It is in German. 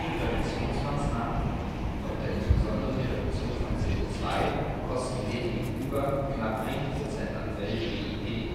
Präventionsmaßnahmen (insbesondere die Reduktion von CO2) kosten dem gegenüber knapp 1 % am Welt-BIP